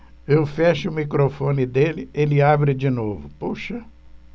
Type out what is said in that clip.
eu fecho o microfone dele ele abre de novo poxa